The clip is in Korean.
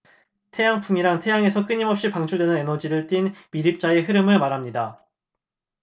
태양풍이란 태양에서 끊임없이 방출되는 에너지를 띤 미립자의 흐름을 말합니다